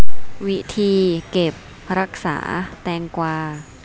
วิธีเก็บรักษาแตงกวา